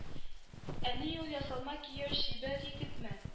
Әни ул ясалма кияү чибәр егетме